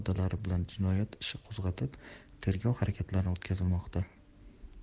moddalari bilan jinoyat ishi qo'zg'atilib tergov harakatlari o'tkazilmoqda